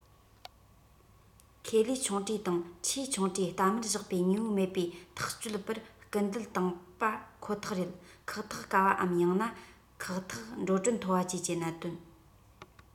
ཁེ ལས ཆུང གྲས དང ཆེས ཆུང གྲས གཏའ མར བཞག པའི དངོས པོ མེད པའི ཐག གཅོད པར སྐུལ འདེད དང པ ཁོ ཐག རེད ཁག ཐེག དཀའ བ པའམ ཡང ན ཁག ཐེག འགྲོ གྲོན མཐོ བ བཅས ཀྱི གནད དོན